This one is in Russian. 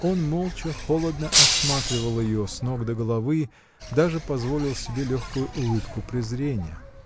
Он молча, холодно осматривал ее с ног до головы, даже позволил себе легкую улыбку презрения.